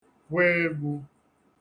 kwe egwū